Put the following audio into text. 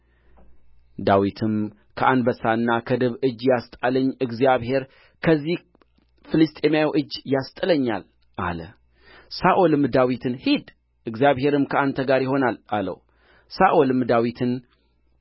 ዳዊትም ከአንበሳና ከድብ እጅ ያስጣለኝ እግዚአብሔር ከዚህ ፍልስጥኤማዊ እጅ ያስጥለኛል አለ ሳኦልም ዳዊትን ሂድ እግዚአብሔርም ከአንተ ጋር ይሆናል አለው ሳኦልም ዳዊትን